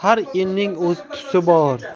har elning o'z tusi bor